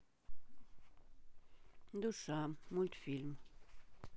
душа мультфильм